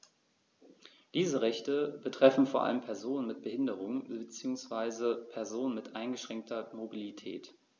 Diese Rechte betreffen vor allem Personen mit Behinderung beziehungsweise Personen mit eingeschränkter Mobilität.